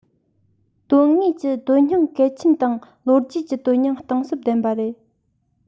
དོན དངོས ཀྱི དོན སྙིང གལ ཆེན དང ལོ རྒྱུས ཀྱི དོན སྙིང གཏིང ཟབ ལྡན པ རེད